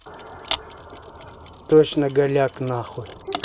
точно голяг нахуй